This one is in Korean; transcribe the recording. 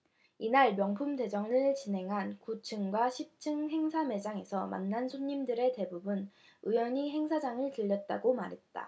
이날 명품대전을 진행한 구 층과 십 층 행사 매장에서 만난 손님들은 대부분 우연히 행사장을 들렀다고 말했다